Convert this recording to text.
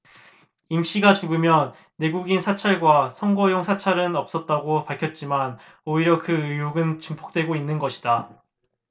임씨가 죽으면서 내국인 사찰과 선거용 사찰은 없었다고 밝혔지만 오히려 그 의혹은 증폭되고 있는 것이다